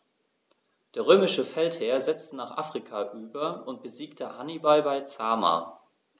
Der römische Feldherr setzte nach Afrika über und besiegte Hannibal bei Zama.